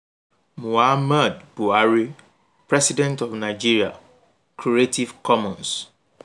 Muhammad Buhari, president of Nigeria. Creative Commons.